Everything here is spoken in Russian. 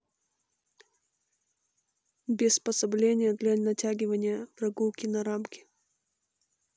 без способления для натягивания прогулки на рамки